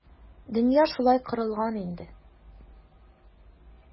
Дөнья шулай корылган инде.